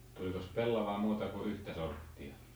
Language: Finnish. tulikos pellavaa muuta kuin yhtä sorttia